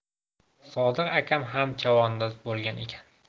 sodiq akam ham chavandoz bo'lgan ekan